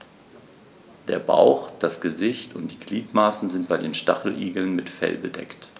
Der Bauch, das Gesicht und die Gliedmaßen sind bei den Stacheligeln mit Fell bedeckt.